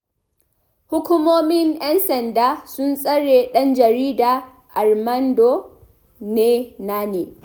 Hukumomin 'yan sanda sun tsare ɗan jarida Armando Nenane.